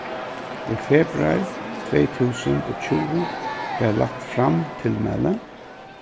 í februar tvey túsund og tjúgu varð lagt fram tilmæli